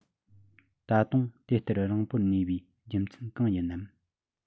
ད དུང དེ ལྟར རེངས པོར གནས པའི རྒྱུ མཚན གང ཡིན ནམ